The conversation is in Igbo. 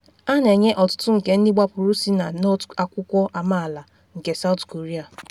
A na enye ọtụtụ nke ndị gbapụrụ si na North akwụkwọ amaala nke South Korea.